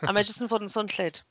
A ma' hi jyst yn fod yn swnllyd.